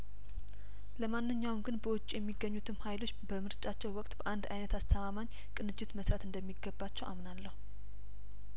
ለማንኛውም ግን በውጭ የሚገኙትም ሀይሎች በምርጫው ወቅት በአንድ አይነት አስተማማኝ ቅንጅት መስራት እንደሚገባቸው አምናለሁ